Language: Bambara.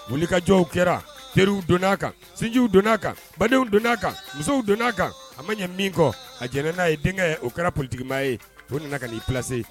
Wuli kajɔw kɛra teriw don a kan sinjdiw donna a kan badenww donna a kan musow donna a kan a ma ɲɛ min kɔ a jɛnɛ n'a ye denkɛ ye o kɛra politigimaa ye o nana ka' ii plasse